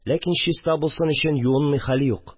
Ләкин чиста булсын өчен юынмый хәл юк